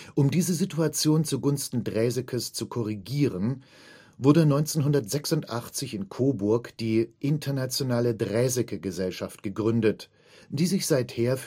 Um diese Situation zu Gunsten Draesekes zu korrigieren, wurde 1986 in Coburg die Internationale Draeseke-Gesellschaft gegründet, die sich seither